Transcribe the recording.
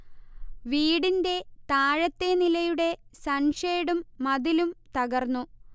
വീടിൻെറ താഴത്തെ നിലയുടെ സൺേഷഡും മതിലും തകർന്നു